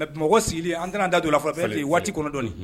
Mɔgɔ sigilen an tɛn'an da don o la fɔlɔ waati kɔnɔ dɔɔnin